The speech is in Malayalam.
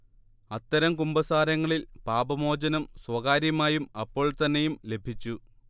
അത്തരം കുമ്പസാരങ്ങളിൽ പാപമോചനം സ്വകാര്യമായും അപ്പോൾത്തന്നെയും ലഭിച്ചു